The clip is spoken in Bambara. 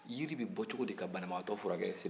jiri bɛ bɔ cogo di ka banabaatɔ furakɛ